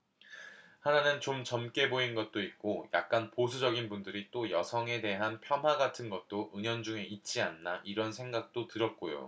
하나는 좀 젊게 보인 것도 있고 약간 보수적인 분들이 또 여성에 대한 폄하 같은 것도 은연중에 있지 않나 이런 생각도 들었고요